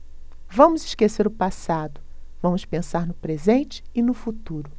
vamos esquecer o passado vamos pensar no presente e no futuro